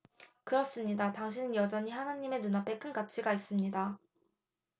그렇습니다 당신은 여전히 하느님의 눈앞에 큰 가치가 있습니다